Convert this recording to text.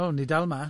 O, ni dal 'ma.